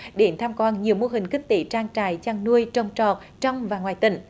đến tham quan nhiều mô hình kinh tế trang trại chăn nuôi trồng trọt trong và ngoài tỉnh